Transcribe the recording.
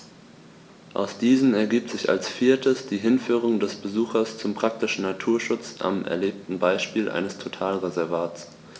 Aus diesen ergibt sich als viertes die Hinführung des Besuchers zum praktischen Naturschutz am erlebten Beispiel eines Totalreservats.